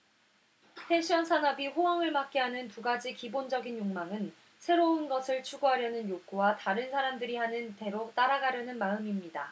패션 산업이 호황을 맞게 하는 두 가지 기본적인 욕망은 새로운 것을 추구하려는 욕구와 다른 사람들이 하는 대로 따라가려는 마음입니다